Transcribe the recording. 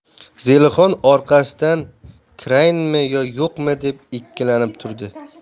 zelixon orqasidan kirayinmi yo yo'qmi deb ikkilanib turdi